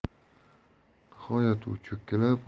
nihoyat u cho'kkalab